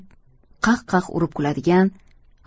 qah qah urib kuladigan